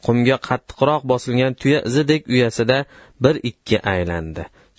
qumga qattiqroq bosilgan tuya izidek uyasida bir ikki aylandi